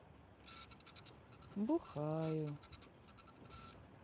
бухаю